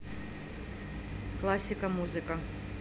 классика музыка